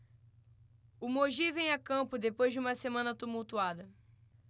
o mogi vem a campo depois de uma semana tumultuada